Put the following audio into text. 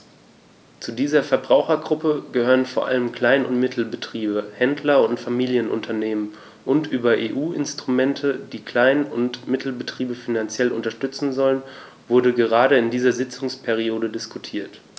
Zu dieser Verbrauchergruppe gehören vor allem Klein- und Mittelbetriebe, Händler und Familienunternehmen, und über EU-Instrumente, die Klein- und Mittelbetriebe finanziell unterstützen sollen, wurde gerade in dieser Sitzungsperiode diskutiert.